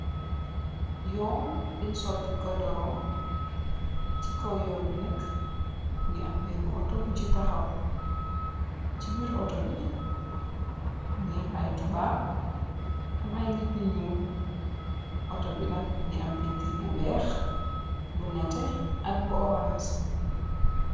Yon buñ sotti godorong ci kaw yon bi nak mugii am benna Otto bu ci taxaw l, ci biir Otto bi mugii am ay tubab ak ay nit ñju ñuul. Otto bi nak mugii am pentir bu wèèx, bu netteh ak bu orans.